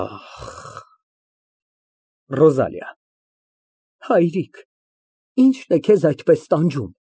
Ահ… ՌՈԶԱԼԻԱ ֊ Հայրիկ, ի՞նչն է քեզ այդպես տանջում։